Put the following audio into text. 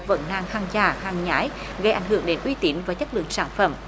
vấn nạn hàng giả hàng nhái gây ảnh hưởng đến uy tín và chất lượng sản phẩm